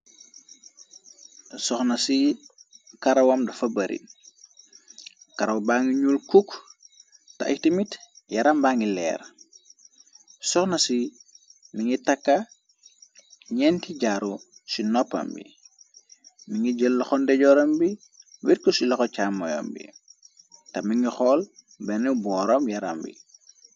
Soxna ci karawam du fa barin karaw baa ngi ñul cook te ayti mit yaramba ngi leer soxna ci li ngi takka ñenti jaaru ci noppam bi ni ngi jëll xonde joram bi wirkus yi laxo caammoyoom bi ta mingi xool benn booram yaram bi.